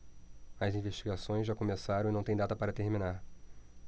as investigações já começaram e não têm data para terminar